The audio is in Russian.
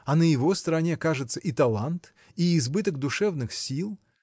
А на его стороне, кажется, и талант, и избыток душевных сил.